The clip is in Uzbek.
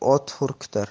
yotib ot hurkitar